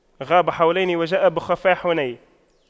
غاب حولين وجاء بِخُفَّيْ حنين